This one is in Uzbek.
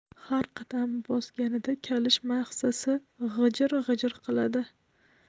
har qadam bosganida kalish mahsisi g'ijir g'ijir qiladi